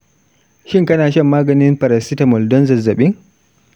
shin kana shan maganin paracetamol don zazzabin?